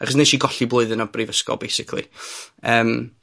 Achos nesh i golli blwyddyn o brifysgol basically. Yym.